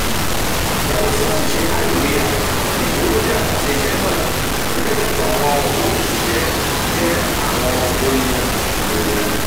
Yàtọ̀ sí àṣìṣe hádìwià, ìgbówólórí àkànṣe iṣẹ́ náà - pẹ̀lú ìkẹ́kọ̀ọ́ àwọn ọ̀wọ́ òṣìṣẹ -́ jẹ́ àwọn ohun ìṣòrò.